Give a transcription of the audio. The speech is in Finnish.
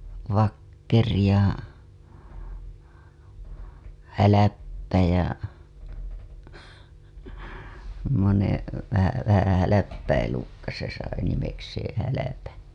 Vakkeri ja Hälppä ja semmoinen vähän vähän hälppä elukka se sai nimekseen Hälpän